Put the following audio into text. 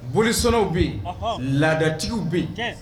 Bolisow bɛ yen laadadatigiww bɛ yen